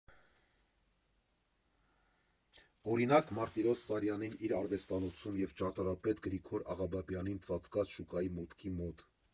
Օրինակ՝ Մարտիրոս Սարյանին իր արվեստանոցում և ճարտարապետ Գրիգոր Աղաբաբյանին Ծածկած շուկայի մուտքի մոտ։